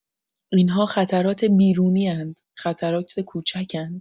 این‌ها خطرات بیرونی‌اند، خطرات کوچکند.